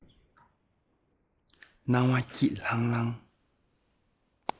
སྣང བ སྐྱིད ལྷང ལྷང